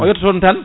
o yettotono tan